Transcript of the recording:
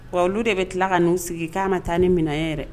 Wa olu de bɛ tila ka n'u sigi k'a ma taa ni minɛn ye yɛrɛ